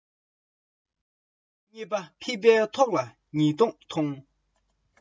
དང པོ ཉེས པ བཅའ ཡང ཕེབས དང བསྟུན